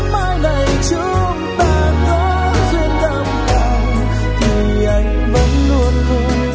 mai này chúng ta có duyên gặp lại thì anh vẫn luôn luôn